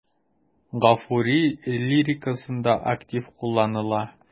Гафури лирикасында актив кулланыла.